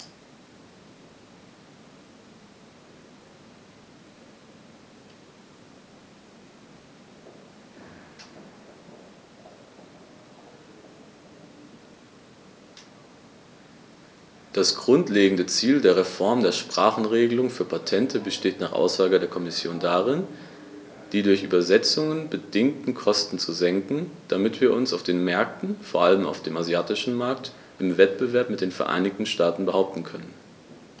Das grundlegende Ziel der Reform der Sprachenregelung für Patente besteht nach Aussage der Kommission darin, die durch Übersetzungen bedingten Kosten zu senken, damit wir uns auf den Märkten, vor allem auf dem asiatischen Markt, im Wettbewerb mit den Vereinigten Staaten behaupten können.